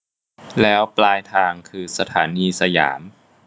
แล้วปลายทางคือสถานีสยาม